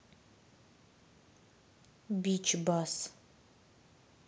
бич бас